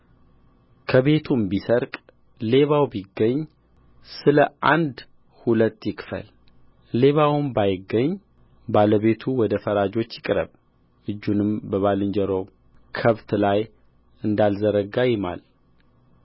ከቤቱም ቢሰረቅ ሌባው ቢገኝ ስለ አንድ ሁለት ይክፈል ሌባውም ባይገኝ ባለቤቱ ወደ ፈራጆች ይቅረብ እጁንም በባልንጀራው ከብት ላይ እንዳልዘረጋ ይማል